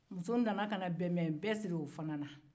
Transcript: muso nana ka na bɛnbɛnbɛn siri o fana